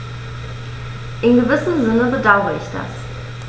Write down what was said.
In gewissem Sinne bedauere ich das.